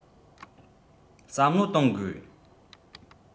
བསམ བློ གཏོང དགོས